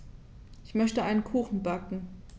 Ich möchte einen Kuchen backen.